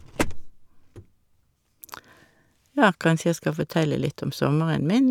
Ja, kanskje jeg skal fortelle litt om sommeren min.